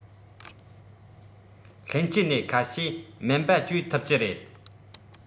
ལྷན སྐྱེས ནད ཁ ཤས སྨན པ བཅོས ཐུབ ཀྱི རེད